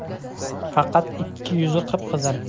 faqat ikki yuzi qip qizil